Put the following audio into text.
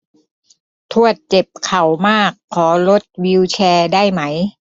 ทวดเจ็บเข่ามากขอรถวีลแชร์ได้ไหม